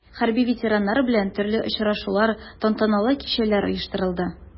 Хәрби ветераннар белән төрле очрашулар, тантаналы кичәләр оештырылды.